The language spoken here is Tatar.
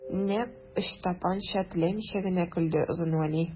Нәкъ Ычтапанча теләмичә генә көлде Озын Вәли.